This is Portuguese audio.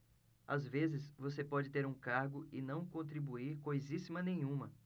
às vezes você pode ter um cargo e não contribuir coisíssima nenhuma